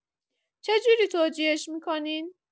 چه جوری توجیهش می‌کنین؟